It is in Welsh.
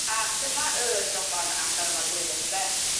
A dyma y joban amser yma'r flwyddyn ynde?